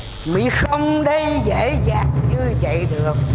mi không đi dễ dàng như vậy được